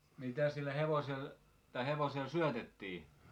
mitä sille hevoselle syötettiin